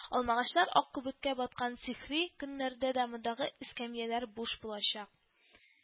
Алмагачлар ак күбеккә баткан сихри көннәрдә дә мондагы эскәмияләр буш булачак